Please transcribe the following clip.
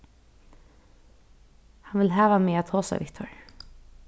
hann vil hava meg at tosa við teir